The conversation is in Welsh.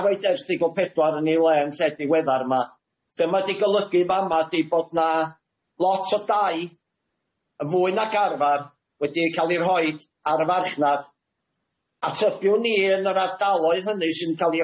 a a roid erthygl pedwar yn ei le yn lle diweddar ma dyma di golygu fama di bod na lot o dai yn fwy nag arfar wedi ca'l i rhoid ar y farchnad a tybiwn i yn yr ardaloedd hynny sy'n ca'l i